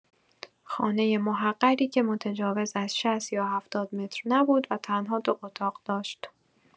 خانه محقری که متجاوز از ۶۰ یا ۷۰ متر نبود و تنها دو اتاق داشت.